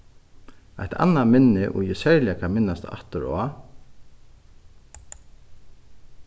eitt annað minni er ið eg serliga kann minnast aftur á